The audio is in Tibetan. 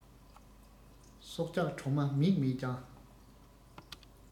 སྲོག ཆགས གྲོག མ མིག མེད ཀྱང